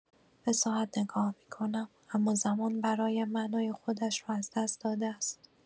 به ساعت نگاه می‌کنم، اما زمان برایم معنای خودش را از دست داده است.